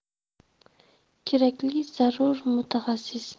kerakli zarur mutaxassis